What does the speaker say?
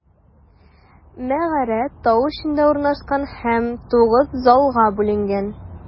Мәгарә тау эчендә урнашкан һәм тугыз залга бүленгән.